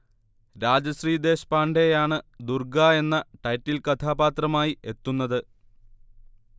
രാജശ്രീ ദേശ്പാണ്ഡേയാണ് ദുർഗ എന്ന ടൈറ്റിൽ കഥാപാത്രമായി എത്തുന്നത്